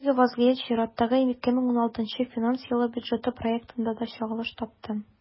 Әлеге вазгыять чираттагы, 2016 финанс елы бюджеты проектында да чагылыш тапты.